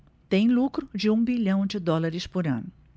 tem lucro de um bilhão de dólares por ano